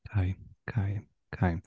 Kai, Kai, Kai.